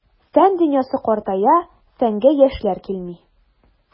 Фән дөньясы картая, фәнгә яшьләр килми.